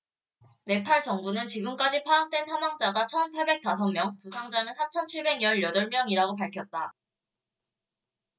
네팔 정부는 지금까지 파악된 사망자가 천 팔백 다섯 명 부상자는 사천 칠백 열 여덟 명이라고 밝혔다